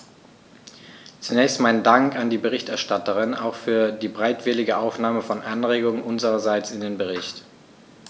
Zunächst meinen Dank an die Berichterstatterin, auch für die bereitwillige Aufnahme von Anregungen unsererseits in den Bericht.